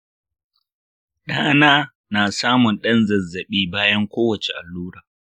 ɗana na samun ɗan zazzabi bayan kowace allura.